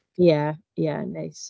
Ie, ie, neis.